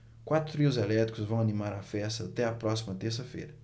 quatro trios elétricos vão animar a festa até a próxima terça-feira